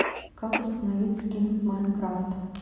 как установить скин в minecraft